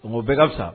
O bɛ ka fisa